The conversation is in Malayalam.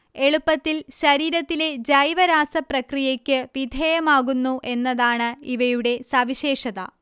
എളുപ്പത്തിൽ ശരീരത്തിലെ ജൈവരാസപ്രക്രിയക്ക് വിധേയമാകുന്നു എന്നതാണ് ഇവയുടെ സവിശേഷത